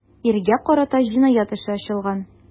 Иргә карата җинаять эше ачылган.